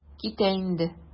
Китә инде.